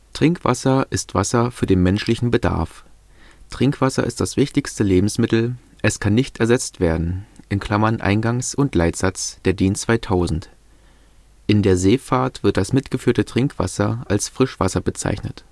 Trinkwasser ist Wasser für den menschlichen Bedarf. Trinkwasser ist das wichtigste Lebensmittel, es kann nicht ersetzt werden (Eingangs - und Leitsatz der DIN 2000). In der Seefahrt wird das mitgeführte Trinkwasser als Frischwasser bezeichnet